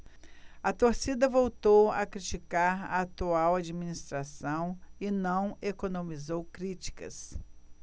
a torcida voltou a criticar a atual administração e não economizou críticas